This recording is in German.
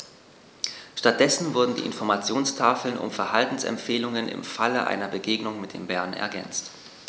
Stattdessen wurden die Informationstafeln um Verhaltensempfehlungen im Falle einer Begegnung mit dem Bären ergänzt.